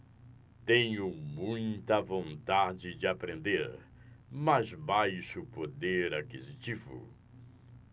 tenho muita vontade de aprender mas baixo poder aquisitivo